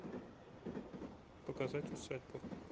показать усадьбу